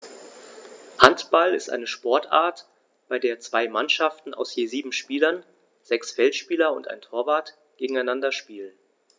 Handball ist eine Sportart, bei der zwei Mannschaften aus je sieben Spielern (sechs Feldspieler und ein Torwart) gegeneinander spielen.